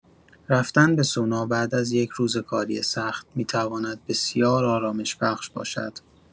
رفتن به سونا بعد از یک روز کاری سخت می‌تواند بسیار آرامش‌بخش باشد.